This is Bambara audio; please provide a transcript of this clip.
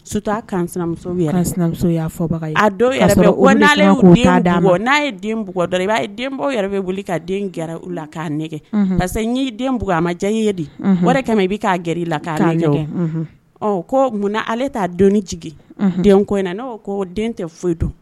Futa kan sinamusomuso a'alea n'a ye den bug i b'a denbaw yɛrɛ bɛ wuli ka den gɛrɛ u la k'a nɛgɛ ka que n denug a ma diya ye di o kɛmɛ i bɛ k'a g la k'a ko munna ale t'a dɔni jigin ko in na n' ko den tɛ foyi dɔn